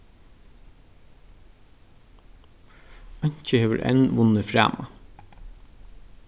einki hevur enn vunnið frama